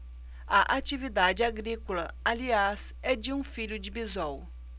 a atividade agrícola aliás é de um filho de bisol